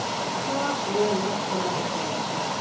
Шуңа күрә нык кына эшләргә кирәк.